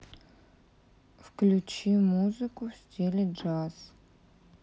включи музыку в стиле джаз